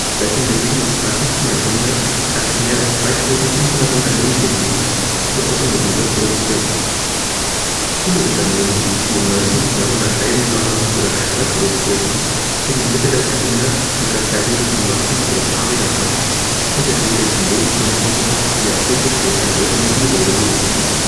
Seit dem Beginn des 20. Jahrhunderts hat es mehr als 2.500 Unternehmen gegeben, die Automobile produzierten. Viele Unternehmen, die im 19. Jahrhundert Eisenwaren oder Stahl produzierten, fingen Mitte des Jahrhunderts mit der Fertigung von Waffen oder Fahrrädern an und entwickelten so die Kenntnisse, die Jahrzehnte später im Automobilbau benötigt wurden